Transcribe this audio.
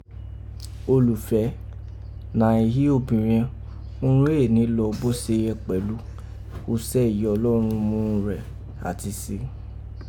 Olufe, nàì hí obìrẹn urun éè ni lọ bó se yẹ pelu usẹ yìí ọlọ́rọn mụ ghún rẹ àti se.